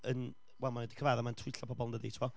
yn, wel, mae o 'di cyfadda mae'n twyllo pobl yn dydi tibod,